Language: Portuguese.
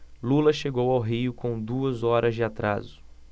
lula chegou ao rio com duas horas de atraso